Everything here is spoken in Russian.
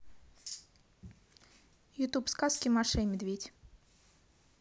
ютуб сказки маша и медведь